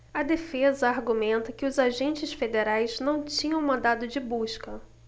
a defesa argumenta que os agentes federais não tinham mandado de busca